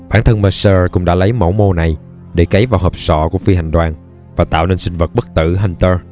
bản thân mercer cũng đã lấy mẫu mô này để cấy vào hộp sọ của phi hành đoàn và tạo nên sinh vật bất tử hunter